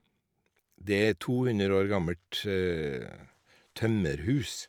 Det er et to hundre år gammelt tømmerhus.